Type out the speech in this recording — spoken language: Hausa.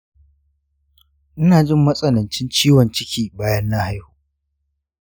inajin matsanancin ciwon ciki bayan na haihu